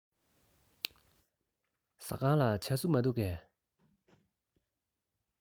ཟ ཁང ལ ཇ སྲུབས མ འདུག གས